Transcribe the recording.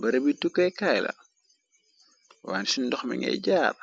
bereb bi tukkey kaayla, waan suñ ndox mi ngay jaar.